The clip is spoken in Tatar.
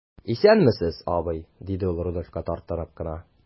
Исәнмесез, абый,– диде ул Рудольфка, тартынып кына.